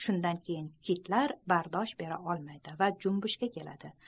shundan keyin kitlar bardosh bera olmaydi va junbushga kiradi